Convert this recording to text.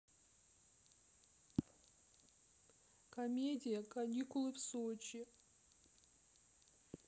комедия каникулы в сочи